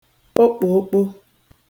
okpòokpo